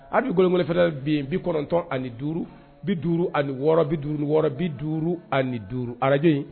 A bɛ gkɔfɛ bin bi kɔnɔntɔn ani duuru bi duuru ani wɔɔrɔ bi duuru wɔɔrɔ bi duuru ani duuru araj in